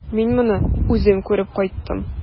Мин моны үзем күреп кайттым.